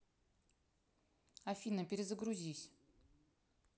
афина перезагрузись